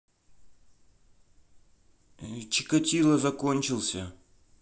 чикатило закончился